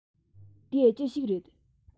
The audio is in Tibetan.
དེ ཅི ཞིག རེད